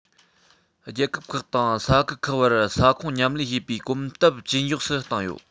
རྒྱལ ཁབ ཁག དང ས ཁུལ ཁག བར ས ཁོངས མཉམ ལས བྱེད པའི གོམ སྟབས ཇེ མགྱོགས སུ བཏང ཡོད